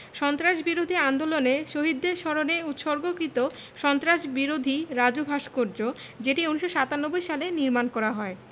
সন্ত্রাসবিরোধী আন্দোলনে শহীদদের স্মরণে উৎসর্গকৃত সন্ত্রাসবিরোধী রাজু ভাস্কর্য যেটি ১৯৯৭ সালে নির্মাণ করা হয়